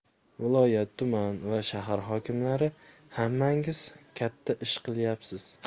viloyat tuman va shahar hokimlari hammangiz katta ish qilyapsiz